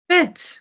Grêt.